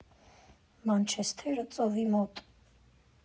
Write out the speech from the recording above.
Մանչեսթերը ծովի մոտ։